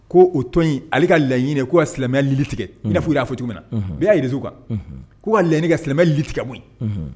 Ko o tɔn ale ka laɲini ko ka silamɛmɛyali tigɛ' y'a fɔ cogo minna na bi'a jirairiz kan ko ka laɲinini ka silamɛ li tigɛ bon